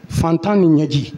Fantan ni ɲɛji